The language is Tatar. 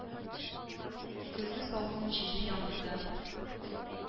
Көзге салкын, җилле яңгырда.